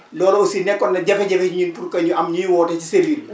loolu aussi nekkoon na jafe-jafe ñun pour que ñu am ñuy woote ci servi bi